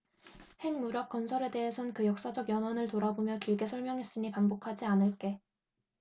핵무력건설에 대해선 그 역사적 연원을 돌아보며 길게 설명했으니 반복하지 않을게